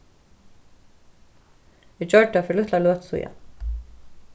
eg gjørdi tað fyri lítlari løtu síðani